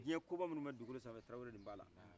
diɲɛ koba minnu bɛ dugukolo san fɛ tarawele nin b'a la